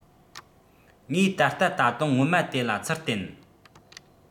ངས ད ལྟ ད དུང སྔོན མ དེ ལ ཚུལ བསྟན